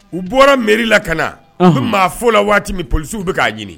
U bɔra miiriri la ka na u bɛ maa fɔ la waati min p u bɛ k'a ɲini